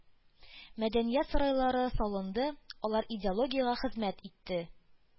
Мәдәният сарайлары салынды, алар идеологиягә хезмәт итте.